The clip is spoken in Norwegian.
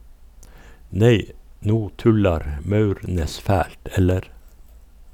Nei no tullar Maurnes fælt, eller?